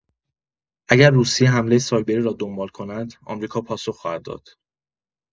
اگر روسیه حمله سایبری را دنبال کند، آمریکا پاسخ خواهد داد.